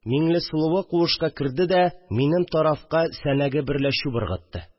Миңлесылуы куышка керде дә минем тарафка сәнәге берлә чүп ыргытты